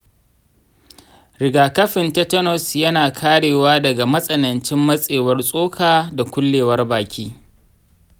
rigakafin tetanus yana karewa daga matsanancin matsewar tsoka da ƙullewar baki.